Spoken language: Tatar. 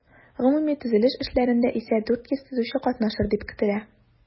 Гомуми төзелеш эшләрендә исә 400 төзүче катнашыр дип көтелә.